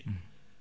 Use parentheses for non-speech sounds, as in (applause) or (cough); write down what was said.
(hesitation) (hesitation)